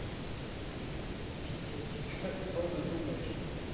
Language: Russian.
пиздец и че так долго думаешь